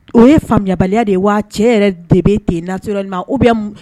O ye faamuyabaliya de ye wa cɛ yɛrɛ de bɛ ten natu ma o bɛ